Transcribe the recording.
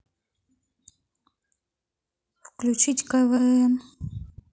включить квн